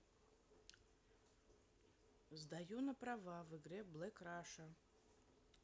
сдаю на права в игре black russia